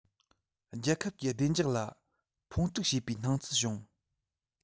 རྒྱལ ཁབ ཀྱི བདེ འཇགས ལ ཕུང དཀྲུག བྱེད པའི སྣང ཚུལ བྱུང